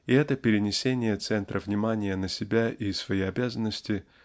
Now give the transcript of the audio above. и это перенесение центра внимания на себя и свои обязанности